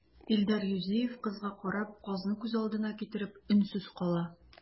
Илдар Юзеев, кызга карап, казны күз алдына китереп, өнсез кала.